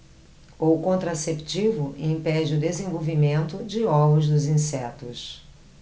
o contraceptivo impede o desenvolvimento de ovos dos insetos